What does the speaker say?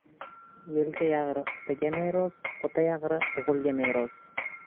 yelka yag'ri otaga meros ota yag'ri o'g'ilga meros